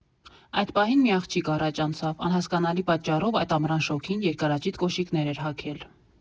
Այդ պահին մի աղջիկ առաջ անցավ՝ անհասկանալի պատճառով այդ ամռան շոգին երկարաճիտ կոշիկներ էր հագել։